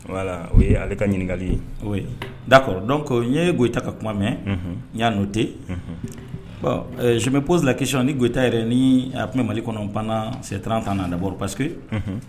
O ye ale ka ɲininkali da kɔrɔ dɔn ko n yeta ka kuma mɛn n y'a n'o tɛ sɛbɛ psila kisi nita yɛrɛ ni tun bɛ mali kɔnɔ se tanran tan n na bɔra pase